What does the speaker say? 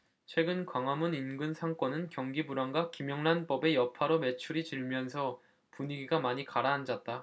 최근 광화문 인근 상권은 경기 불황과 김영란법의 여파로 매출이 줄면서 분위기가 많이 가라앉았다